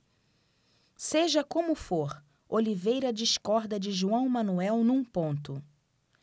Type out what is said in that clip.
seja como for oliveira discorda de joão manuel num ponto